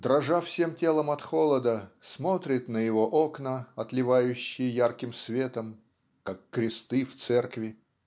дрожа всем телом от холода смотрит на его окна отливающие ярким светом "как кресты в церкви".